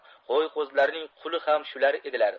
qo'y qo'zilarning quli ham shular edilar